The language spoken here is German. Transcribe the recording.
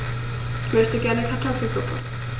Ich möchte gerne Kartoffelsuppe.